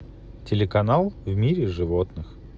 телеканал в мире животных